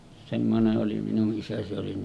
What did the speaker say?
semmoinen oli minun isä se oli